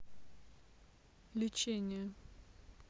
лечение